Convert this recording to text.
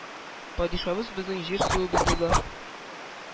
— падишабыз безнең җир-суыбызны да,